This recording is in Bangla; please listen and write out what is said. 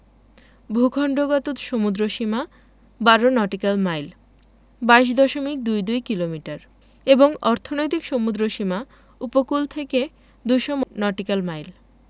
ভূখন্ডগত সমুদ্রসীমা ১২ নটিক্যাল মাইল ২২ দশমিক দুই দুই কিলোমিটার এবং অর্থনৈতিক সমুদ্রসীমা উপকূল থেকে ২০০ নটিক্যাল মাইল